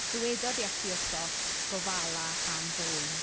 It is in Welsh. Dywedodd Iesu wrtho gofala am fy ŵyn.